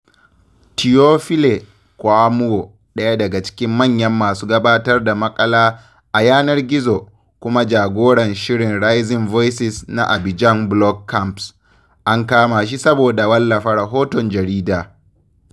Théophile Kouamouo, ɗaya daga cikin manyan masu gabatar da maƙala a yanar gizo, kuma jagoran shirin Rising Voices na Abidjan Blog Camps, an kama shi saboda wallafa rahoton jarida.